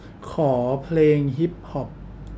ขอเพลงฮิปฮอป